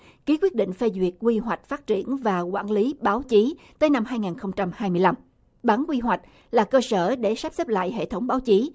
ký quyết định phê duyệt quy hoạch phát triển và quản lý báo chí tới năm hai ngàn không trăm hai mươi lăm bản quy hoạch là cơ sở để sắp xếp lại hệ thống báo chí